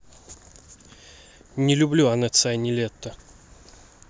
не люблю анет сай нилетто